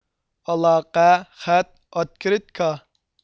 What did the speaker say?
ئالاقە خەت ئاتكرىتكا